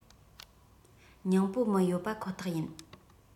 ཉིང པོ མི ཡོད པ ཁོ ཐག ཡིན